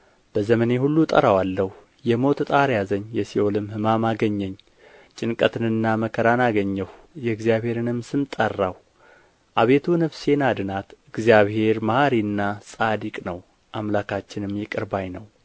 በዘመኔ ሁሉ እጠራዋለሁ የሞት ጣር ያዘኝ የሲኦልም ሕማም አገኘኝ ጭንቀትንና መከራን አገኘሁ የእግዚአብሔርንም ስም ጠራሁ አቤቱ ነፍሴን አድናት እግዚአብሔር መሓሪና ጻድቅ ነው አምላካችንም ይቅር ባይ ነው